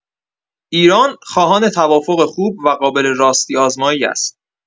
ایران خواهان توافق خوب و قابل راستی‌آزمایی است.